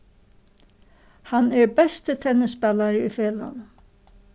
hann er besti tennisspælari í felagnum